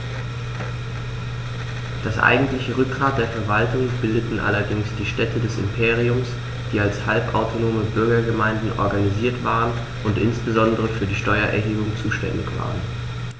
Das eigentliche Rückgrat der Verwaltung bildeten allerdings die Städte des Imperiums, die als halbautonome Bürgergemeinden organisiert waren und insbesondere für die Steuererhebung zuständig waren.